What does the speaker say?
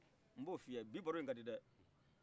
nb'o fiye bi baro kadi dɛ